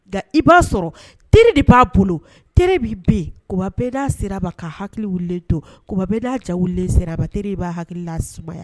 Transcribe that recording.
Nka i b'a sɔrɔ teri de b'a bolo teri min bɛ yen tuma bɛɛ n'a ser'a ma ka hakili wililen to, tuma bɛɛ n'a ja wililen ser'a ma teri in b'a hakili sumaya.